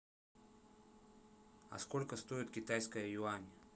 а сколько стоит китайская юань